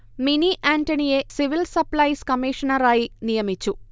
mini ആന്റണിയെ civil supplies കമീഷണറായി നിയമിച്ചു